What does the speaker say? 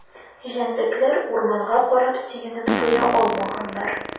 Җәнлекләр урманга карап сөенеп туя алмаганнар.